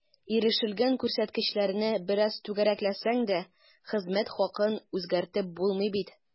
Ирешелгән күрсәткечләрне бераз “түгәрәкләсәң” дә, хезмәт хакын үзгәртеп булмый бит.